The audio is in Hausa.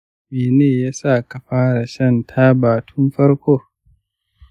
mene ya sa ka fara shan taba tun farko?